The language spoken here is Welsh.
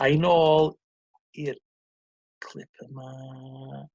a'i nôl i'r clip yma.